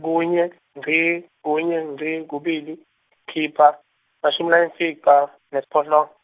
kunye, ngci, kunye ngci kubili, khipha, emashumi layimfica, nesiphohlong.